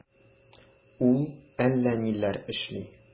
Ул әллә ниләр эшли...